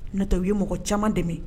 N'otɔ u ye mɔgɔ caman dɛmɛ